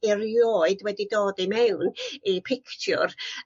erioed wedi dod i mewn i pictiwr